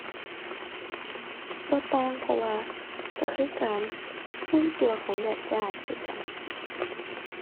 บ่ต่าง เพราะว่าก็คือการรวมตัวของญาติญาติคือกัน